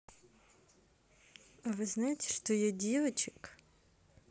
а вы знаете что я дочек